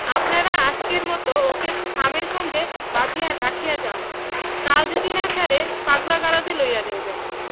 আপনারা আজকের মতো ওকে খামের সঙ্গে বাঁধিয়া রাখিয়া যান কাল যদি না সারে পাগলা গারদে লইয়া যাইবেন